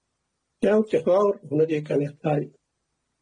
Iawn, diolch yn fawr, hwne 'di caniatáu.